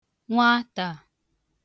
nwatà